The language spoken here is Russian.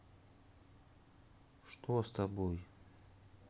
что с тобой